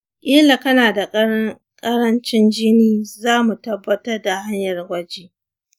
kila kana da karancin jini; za mu tabbatar ta hanyar gwaji.